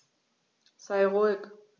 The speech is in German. Sei ruhig.